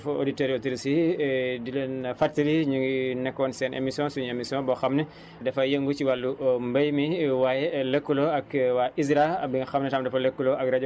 jërëjëf Dia Sy jërëjëf Fane Faye jërëjëf auditeurs auditrices yi di leen fàttali ñu ngi nekkoon seen émission suñu émission boo xam ne dafay yëngu si wàllu mbéy mi